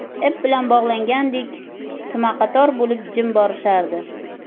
ip bilan boglangandek tumaqator bo'lib jim borishardi